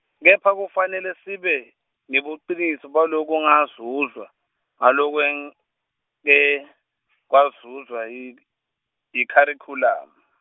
kepha kufanele sibe, nebucinisa balokungazuzwa, nalokungek- kwazuzwa yik- yikharikhulamu.